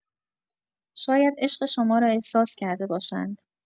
شاید عشق شما را احساس کرده باشند.